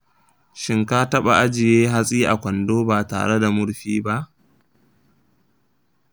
shin ka taba ajiye hatsi a kwando ba tare da murfi ba?